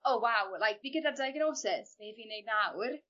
o waw like fi gyda'r diagnosis be' fi'n neud nawr?